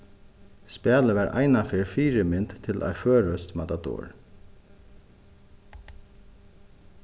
spælið var einaferð fyrimynd til eitt føroyskt matador